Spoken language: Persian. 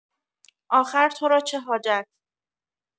آخر تو را چه حاجت؟